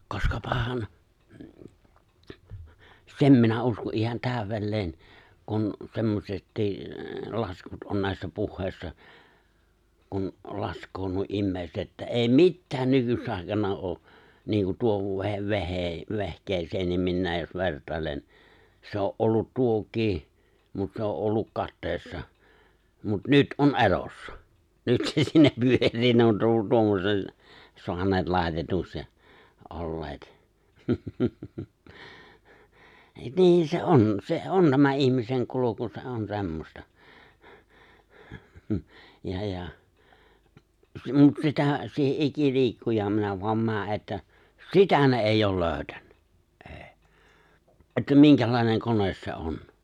koskapahan sen minä uskon ihan täydelleen kun semmoisetkin laskut on näissä puheissa kun laskee nuo ihmiset että ei mitään nykyis aikana ole niin kuin tuo -- vehkeeseenkin minä jos vertailen se on ollut tuokin mutta se on ollut kateissa mutta nyt on elossa nyt se siinä pyörii ne on - tuommoisen saaneet laitetuksi ja olleet niin se on se on nämä ihmisen kulku se on semmoista ja ja mutta sitä siihen ikiliikkujaan minä vain menen että sitä ne ei ole löytänyt ei että minkälainen kone se on